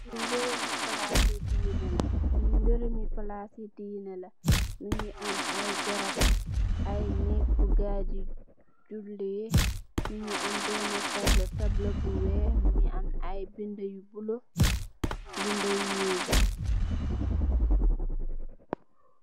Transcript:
Fi berembi palaci deeneh la fi berembi palaci deeneh la mogi am ay garab ay neeg fu gaay di joleh mogi am bena tablo tablo bu weex mogi am ay benda yu bulo benda yu nuul.